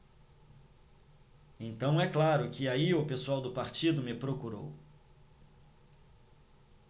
então é claro que aí o pessoal do partido me procurou